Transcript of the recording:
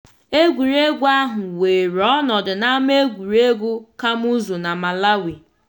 Egwuregwu ahụ were ọnọdụ n'ama egwuregwu Kamuzu na Malawi.